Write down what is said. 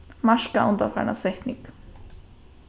marka undanfarna setning